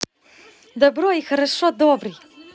добро и хорошо добрый